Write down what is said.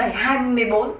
bảy hai mười bốn